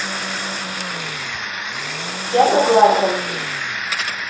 я согласен